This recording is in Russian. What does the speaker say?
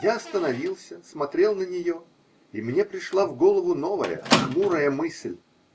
Я остановился, смотрел на нее, и мне пришла в голову новая, хмурая мысль.